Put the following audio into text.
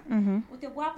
Un o tɛ